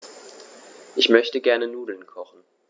Ich möchte gerne Nudeln kochen.